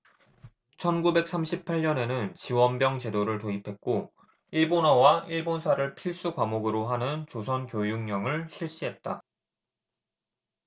천 구백 삼십 팔 년에는 지원병 제도를 도입했고 일본어와 일본사를 필수과목으로 하는 조선교육령을 실시했다